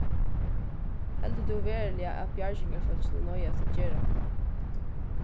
heldur tú veruliga at bjargingarfólkini noyðast at gera hatta